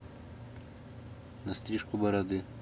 на стрижку бороды